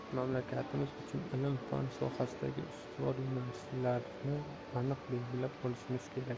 mamlakatimiz uchun ilm fan sohasidagi ustuvor yo'nalishlarni aniq belgilab olishimiz kerak